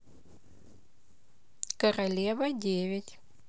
королева девять